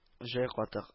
Җай, катык